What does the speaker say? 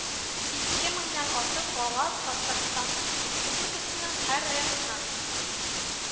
Ике меңнән артык бала татарстан республикасының һәр районыннан